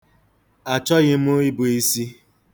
Achọghị m ịbụ isi.